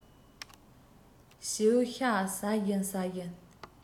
བྱིའུ ཤ ཟ བཞིན ཟ བཞིན